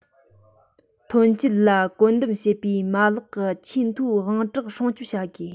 ཐོན སྐྱེད ལ བཀོད འདོམས བྱེད པའི མ ལག གི ཆེས མཐོའི དབང གྲགས སྲུང སྐྱོང བྱ དགོས